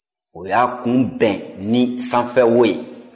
o y'a kun bɛn ni sanfɛwo ye